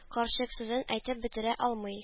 Карчык сүзен әйтеп бетерә алмый.